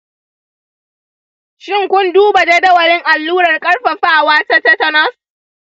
shin kun duba jadawalin allurar ƙarfafawa ta tetanus?